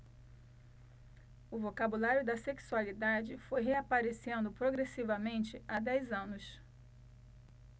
o vocabulário da sexualidade foi reaparecendo progressivamente há dez anos